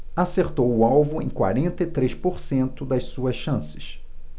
acertou o alvo em quarenta e três por cento das suas chances